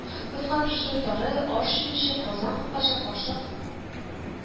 Ботка пешерү тары, аш чүмече, казан капкачы, кашык